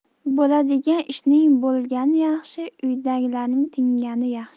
bo'ladigan ishning bo'lgani yaxshi uydagilarning tingani yaxshi